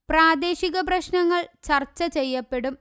പ്രാദേശിക പ്രശ്നങ്ങൾ ചർച്ച ചെയ്യപ്പെടും